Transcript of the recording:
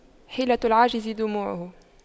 حيلة العاجز دموعه